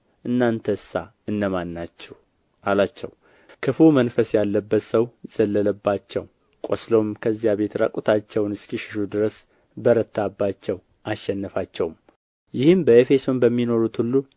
እናንተሳ እነማን ናችሁ አላቸው ክፉው መንፈስም ያለበት ሰው ዘለለባቸው ቆስለውም ከዚያ ቤት ዕራቁታቸውን እስኪሸሹ ድረስ በረታባቸው አሸነፋቸውም ይህም በኤፌሶን በሚኖሩት ሁሉ